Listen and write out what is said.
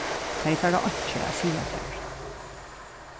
tey fara einki at siga tær